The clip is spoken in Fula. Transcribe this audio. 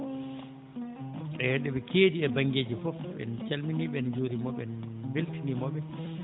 e ɗo ɓe keedi e baŋngeeji fof en calminii ɓe en njuuriima ɓe en mbeltiniIma ɓe